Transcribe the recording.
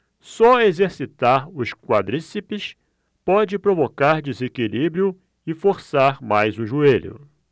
só exercitar o quadríceps pode provocar desequilíbrio e forçar mais o joelho